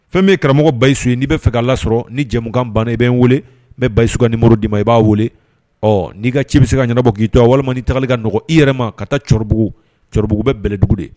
Fɛn min ye karamɔgɔ Bayisu ye n'i bɛ fɛ k'a lasɔrɔ, ni jɛmukan ban na, i bɛ n wele n b'a ka numéro d'i ma i b'a weele, ɔ n'i ka ci bɛ se ka ɲɛnabɔ k'i to yan, walima ni tagali ka nɔgɔn i yɛrɛ ma ka taa Cɔrɔbugu la, Cɔrɔbugu bɛ bɛlɛdugu de